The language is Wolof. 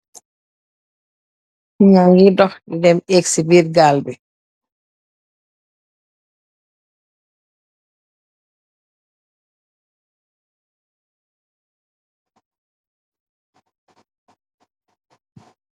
Nit ña ngi dox, di dem di yeec si biir gaal bi.